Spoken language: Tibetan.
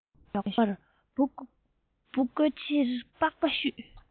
ངས ཞོགས པར འབུ བརྐོས ཕྱི དྲོར པགས པ བཤུས